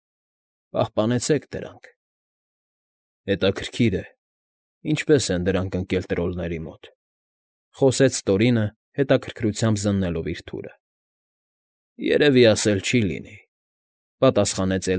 Պահպանեցեք դրանք… ֊ Հետաքրքիր է, ինչպես են դրանք ընկել տրոլների մոտ,֊ խոսեց Տորինը՝ հետաքրքրությամբ զննելով իր թուրը։ ֊ Երևի ասել չի լինի,֊ պատասխանեց։